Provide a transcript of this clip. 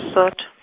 sotho.